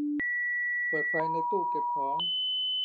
เปิดไฟในตู้เก็บของ